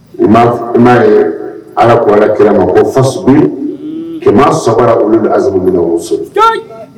I ala ko kira ma fa kɛmɛ sora olu don az minɛ o sɔrɔ